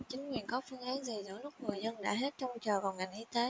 chính quyền có phương án gì giữa lúc người dân đã hết trông chờ vào ngành y tế